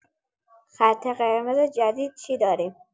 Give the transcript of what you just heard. خط قرمز جدید چی داریم؟